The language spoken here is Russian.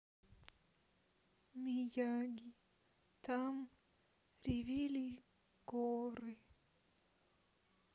miyagi там ревели горы